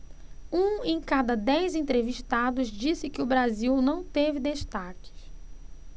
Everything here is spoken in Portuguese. um em cada dez entrevistados disse que o brasil não teve destaques